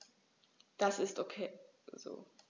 Das ist ok so.